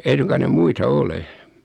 ei suinkaan ne muita ole